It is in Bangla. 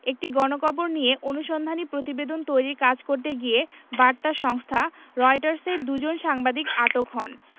একটি গণকবর নিয়ে অনুসন্ধানী প্রতিবেদন তৈরির কাজ করতে গিয়ে বার্তা সংস্থা রয়টার্সের দুজন সাংবাদিক আটক হন